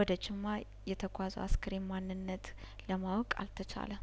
ወደ ጅማ የተጓዘው አስክሬን ማንነት ለማወቅ አልተቻለም